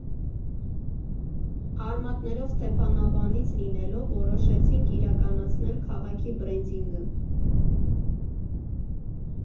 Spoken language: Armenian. Արմատներով Ստեփանավանից լինելով, որոշեցինք իրականացնել քաղաքի բրենդինգը։